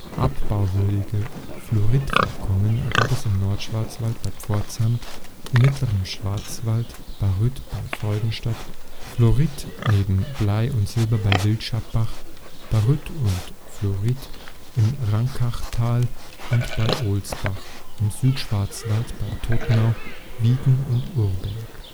Abbauwürdige Fluoritvorkommen gab es im Nordschwarzwald bei Pforzheim, im mittleren Schwarzwald Baryt bei Freudenstadt, Fluorit neben Blei und Silber bei Wildschapbach, Baryt und Fluorit im Rankachtal und bei Ohlsbach, im Südschwarzwald bei Todtnau, Wieden und Urberg